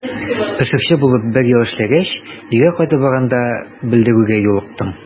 Пешекче булып бер ел эшләгәч, өйгә кайтып барганда белдерүгә юлыктым.